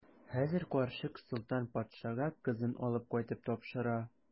Хәзер карчык Солтан патшага кызын алып кайтып тапшыра.